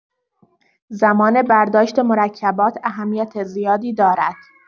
زمان برداشت مرکبات اهمیت زیادی دارد.